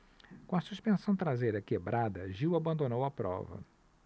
com a suspensão traseira quebrada gil abandonou a prova